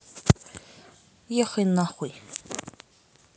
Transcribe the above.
ехай нахуй